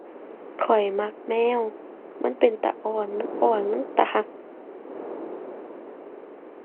ข้อยมักแมว มันเป็นตาอ้อน มันอ้อน มันตารัก